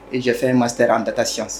I cɛfɛn in ma sera an ta taasi